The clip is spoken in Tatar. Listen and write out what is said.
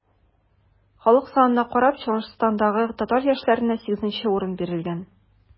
Халык санына карап, Чуашстандагы татар яшьләренә 8 урын бирелгән.